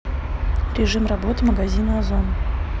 режим работы магазина озон